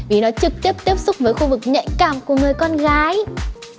vì nó trực tiếp tiếp xúc với khu vực nhạy cảm của người con gái